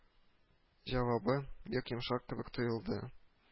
Җавабы бик йомшак кебек тоелды